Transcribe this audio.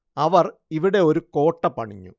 അവര്‍ ഇവിടെ ഒരു കോട്ട പണിഞ്ഞു